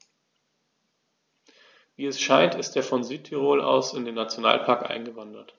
Wie es scheint, ist er von Südtirol aus in den Nationalpark eingewandert.